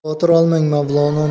xavotir olmang mavlono